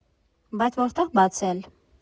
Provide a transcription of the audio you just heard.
Բայց որտե՞ղ բացել։